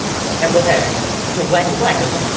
em có thể chụp với anh một bức ảnh được không